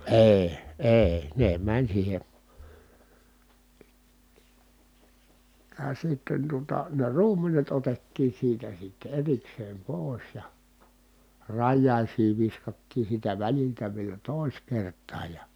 ei ei ne meni siihen ja sitten tuota ne ruumenet otettiin siitä sitten erikseen pois ja rajaisiin viskattiin siitä väliltä vielä toiseen kertaan ja